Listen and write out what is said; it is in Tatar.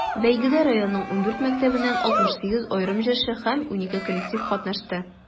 Бәйгедә районның 14 мәктәбеннән 68 аерым җырчы һәм 12 коллектив катнашты.